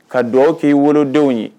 Ka dɔw k'i wolodenw ye